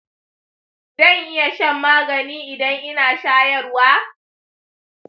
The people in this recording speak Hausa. dan iya shan magani idan ina shayarwa